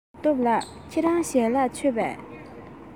འཇིགས སྟོབས ལགས ཁྱེད རང ཞལ ལག མཆོད པས